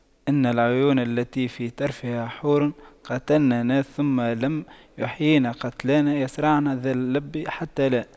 إن العيون التي في طرفها حور قتلننا ثم لم يحيين قتلانا يَصرَعْنَ ذا اللب حتى لا